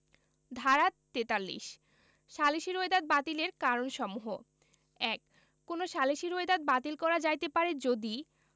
ধারা ৪৩ সালিসী রোয়েদাদ বাতিলের কারণসমূহ ১ কোন সালিসী রোয়েদাদ বাতিল করা যাইতে পারে যদি